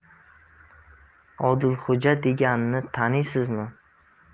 odilxo'ja deganni taniysizmi